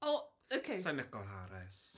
O OK... Sa i'n lico Harris.